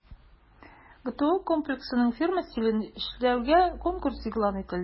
ГТО Комплексының фирма стилен эшләүгә конкурс игълан ителде.